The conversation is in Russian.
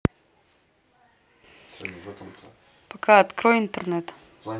пока открой интернет